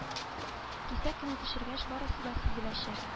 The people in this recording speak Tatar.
Кисәк кенә төшергәч барысы да сизеләчәк